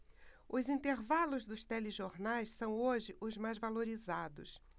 os intervalos dos telejornais são hoje os mais valorizados